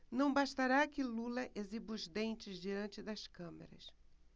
não bastará que lula exiba os dentes diante das câmeras